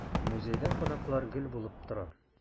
Музейда кунаклар гел булып тора.